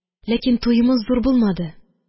Ләкин туемыз зур булмады.